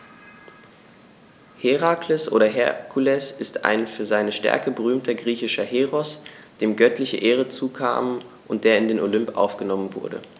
Herakles oder Herkules ist ein für seine Stärke berühmter griechischer Heros, dem göttliche Ehren zukamen und der in den Olymp aufgenommen wurde.